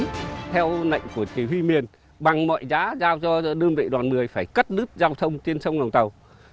theo lệnh của chỉ huy miền bằng mọi giá giao cho đơn vị đoàn mười phải cắt đứt giao thông trên sông lòng tàu